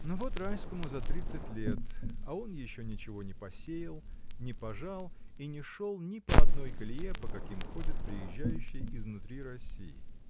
Но вот Райскому за тридцать лет, а он еще ничего не посеял, не пожал и не шел ни по одной колее, по каким ходят приезжающие изнутри России.